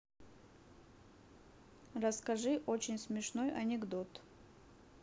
расскажи очень смешной анекдот